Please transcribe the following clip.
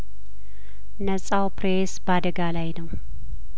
ነጻው ፕሬስ በአደጋ ላይ ነው